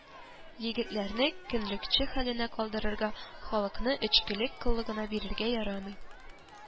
Егетләрне көнлекче хәленә калдырырга, халыкны эчкечелек коллыгына бирергә ярамый